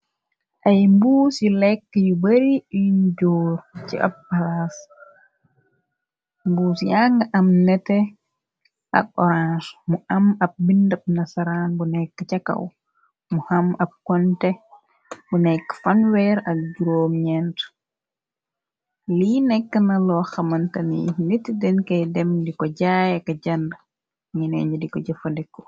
Ay mbuus yi lekk yu bari unjoor ci ab paras, mbuus yang am nete ak orange, mu am ab bindab nasaraan bu nekk ca kaw, mu am ab konte bu nekk fanwer ak jróom ment, lii nekk na loo xamantani niti denkey dem di ko jaaye ka jànd, nine nidi ko jëfandeko.